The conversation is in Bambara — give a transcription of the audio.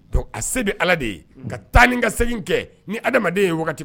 Don a se de ala de ye ka taa ni ka segingin kɛ ni adamadamaden ye